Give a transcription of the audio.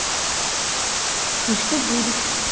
и что будет